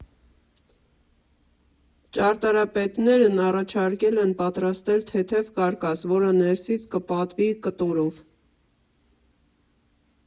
Ճարտարապետներն առաջարկել են պատրաստել թեթև կարկաս, որը ներսից կպատվի կտորով։